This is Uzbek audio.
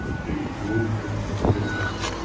puling bo'lsa yer ol